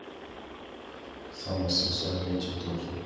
самые сексуальные тик токи